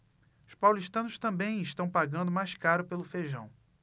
os paulistanos também estão pagando mais caro pelo feijão